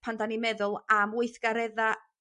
pan 'dan ni'n meddwl am weithgaredda